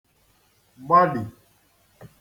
gbalì